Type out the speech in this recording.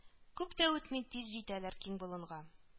Күп тә үтми тиз җитәләр киң болынга